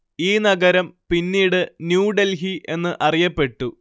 ഈ നഗരം പിന്നീട് ന്യൂ ഡെല്‍ഹി എന്ന് അറിയപ്പെട്ടു